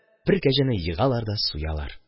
Бер кәҗәне егалар да суялар